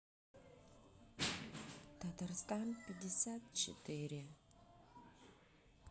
татарстан пятьдесят четыре